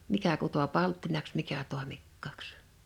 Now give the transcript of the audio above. mikä kutoi palttinaksi mikä toimikkaaksi